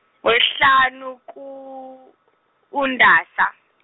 weshlanu ku uNdasa.